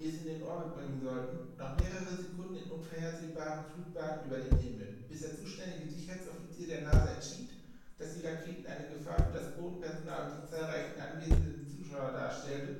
in den Orbit bringen sollten, noch mehrere Sekunden in unvorhersehbaren Flugbahnen über den Himmel bis der zuständige Sicherheitsoffizier der NASA entschied, dass die Raketen eine Gefahr für das Bodenpersonal und die zahlreichen anwesenden Zuschauer darstellte